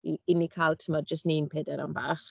I i ni cael tibod, jyst ni'n pedair am bach.